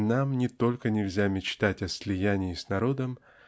нам не только нельзя мечтать о слиянии с народом